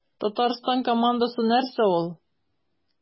Татарстан командасы нәрсә ул?